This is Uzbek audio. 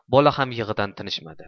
bola ham yig'idan tinishmadi